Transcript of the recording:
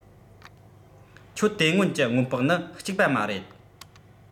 ཁྱོད དེ སྔོན གྱི སྔོན དཔག ནི གཅིག པ མ རེད